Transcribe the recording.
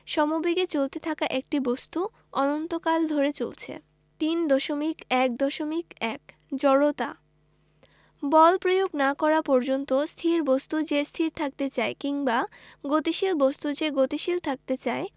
সমবেগে চলতে থাকা একটা বস্তু অনন্তকাল ধরে চলছে ৩.১.১ জড়তা বল প্রয়োগ না করা পর্যন্ত স্থির বস্তু যে স্থির থাকতে চায় কিংবা গতিশীল বস্তু যে গতিশীল থাকতে চায়